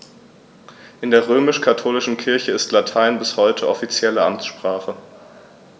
In der römisch-katholischen Kirche ist Latein bis heute offizielle Amtssprache.